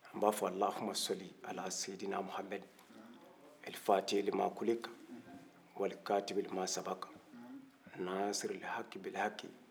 n ba fɔ allahumma salli ala sayyidina mohamed undeciphered undeciphered undeciphered